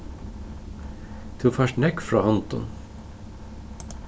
tú fært nógv frá hondum